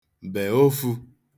bè ofū